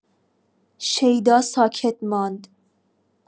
شیدا ساکت ماند.